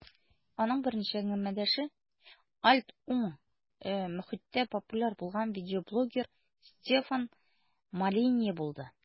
Аның беренче әңгәмәдәше "альт-уң" мохиттә популяр булган видеоблогер Стефан Молинье булды.